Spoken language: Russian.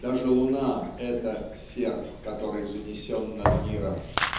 Даже луна -- это серп, который занесен над миром.